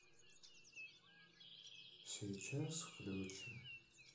сейчас включим